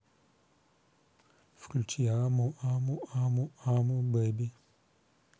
включи аму аму аму аму беби